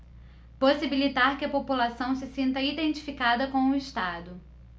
possibilitar que a população se sinta identificada com o estado